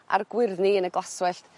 a'r gwyrddni yn y glaswellt